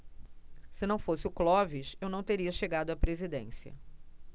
se não fosse o clóvis eu não teria chegado à presidência